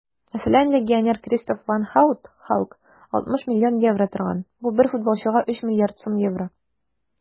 Мәсәлән, легионер Кристоф ван Һаут (Халк) 60 млн евро торган - бу бер футболчыга 3 млрд сум евро!